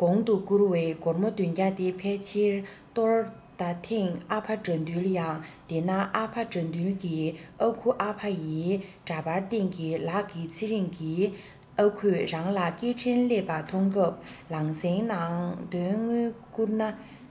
གོང དུ བསྐུར བའི སྒོར མོ བདུན བརྒྱ དེ ཕལ ཆེར གཏོར ད ཐེངས ཨ ཕ དགྲ འདུལ ཡང དེ ན ཨ ཕ དགྲ འདུལ གྱི ཨ ཁུ ཨ ཕ ཡི འདྲ པར སྟེང གྱི ལག གི ཚེ རང གི ཨ ཁུས རང ལ སྐད འཕྲིན སླེབས པ མཐོང སྐབས ལང སེང ནང དོན དངུལ བསྐུར ན